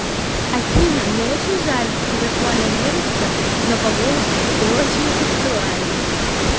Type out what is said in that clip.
афина мне очень жаль что виртуальная девчонка но по голосу ты очень сексуальная